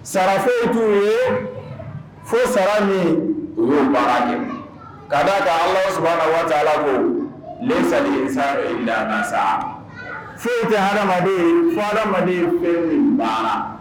Sara foyi t'u ye fo sara min u y'o baara kɛ ka d'a kan Alahu subahana wataala ko foyi te hadamaden ye fo hadamaden ye fɛn min baara